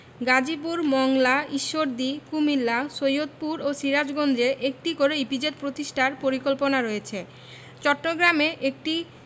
গাজীপুর মংলা ঈশ্বরদী কুমিল্লা সৈয়দপুর ও সিরাজগঞ্জে একটি করে ইপিজেড প্রতিষ্ঠার পরিকল্পনা রয়েছে চট্টগ্রামে একটি